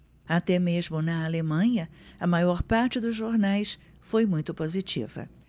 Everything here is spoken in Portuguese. até mesmo na alemanha a maior parte dos jornais foi muito positiva